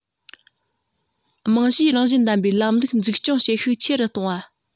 རྨང གཞིའི རང བཞིན ལྡན པའི ལམ ལུགས འཛུགས སྐྱོང བྱེད ཤུགས ཆེ རུ གཏོང བ